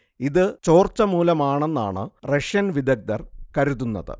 ഇത് ചോർച്ച മൂലമാണെന്നാണ് റഷ്യൻ വിദഗ്ദ്ധർ കരുതുന്നത്